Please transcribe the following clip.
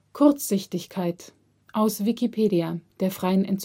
Kurzsichtigkeit, aus Wikipedia, der freien